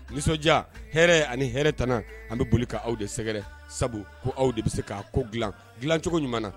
Nisɔndiya hɛrɛ ani hɛrɛ tana an bɛ boli' aw de sɛgɛrɛ sabu ko aw de bɛ se k' ko dilancogo ɲuman na